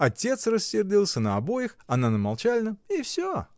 Отец рассердился на обоих, она на Молчалина — и всё!.